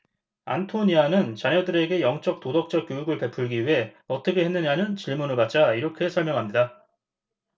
안토니아는 자녀들에게 영적 도덕적 교육을 베풀기 위해 어떻게 했느냐는 질문을 받자 이렇게 설명합니다